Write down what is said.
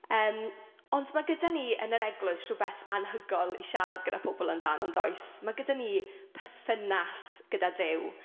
Yym, ond ma' gyda ni yn yr Eglwys rhywbeth anhygoel i siarad gyda pobl amdano yn does. Mae gyda ni perthynas gyda Duw.